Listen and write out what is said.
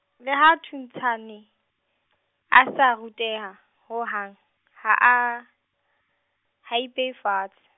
le ha Thuntshane, a sa ruteha, ho hang, ha a, ha I peye fatse.